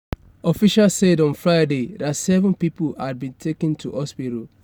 Officials said on Friday that seven people had been taken to a hospital.